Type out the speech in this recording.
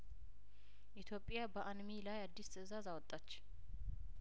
ኢትዮጵያ በአንሚ ላይ አዲስ ትእዛዝ አወጣች